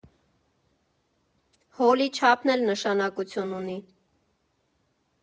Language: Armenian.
Հոլի չափն էլ նշանակություն ունի։